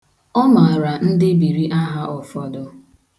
Ọ mara ndebiri aha ụfọdụ.